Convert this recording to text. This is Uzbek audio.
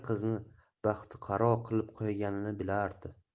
qizni baxtiqaro qilib qo'yganini bilardi